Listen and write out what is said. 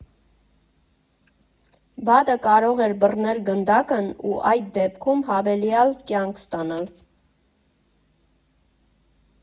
Բադը կարող էր բռնել գնդակն ու այդ դեպքում հավելյալ «կյանք» ստանալ։